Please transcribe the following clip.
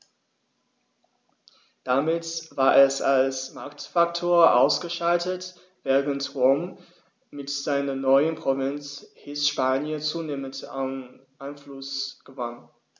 Damit war es als Machtfaktor ausgeschaltet, während Rom mit seiner neuen Provinz Hispanien zunehmend an Einfluss gewann.